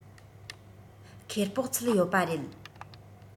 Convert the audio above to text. ཁེ སྤོགས ཚུད ཡོད པ རེད